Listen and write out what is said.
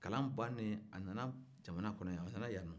kalan bannen a nana jamana kɔnɔ yan a nana yan de